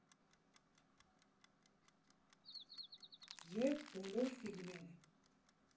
ԵՒ բոլոր ֆիլմերը։